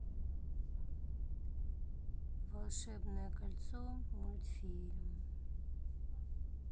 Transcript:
волшебное кольцо мультфильм